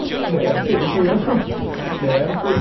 để em tự kiếm để em tự